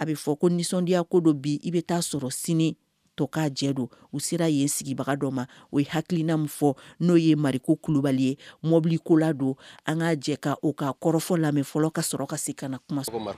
A bɛa fɔ ko nisɔndidiyaya ko don bi i bɛ taa sɔrɔ sini tɔka jɛ don u sera ye sigibaga dɔ ma o ye hakilikiina fɔ n'o ye mari kubali ye mɔbiliko la don an k'a jɛ k ka u ka kɔrɔfɔ lamɛn fɔlɔ ka sɔrɔ ka se ka na kuma